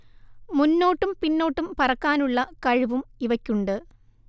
മുന്നോട്ടും പിന്നോട്ടും പറക്കാനുള്ള കഴിവും ഇവയ്ക്കുണ്ട്